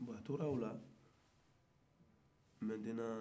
bon a tora o la mɛtenan